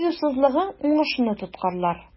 Кыюсызлыгың уңышны тоткарлар.